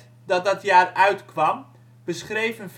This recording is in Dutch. dat dat jaar uitkwam beschreef een fictieve